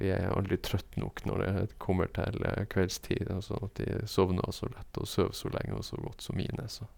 De er aldri trøtt nok når det kommer til kveldstid og sånn at de sovner så lett og sover så lenge og så godt som mine, så...